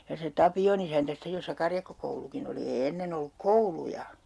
ja se Tapion isäntä sitten jossa karjakkokoulukin oli ei ennen ollut kouluja